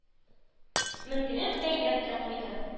Менгереп бәйләп тә куйды.